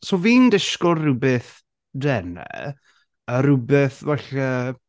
So fi'n disgwyl rywbeth denau a rhywbeth falle...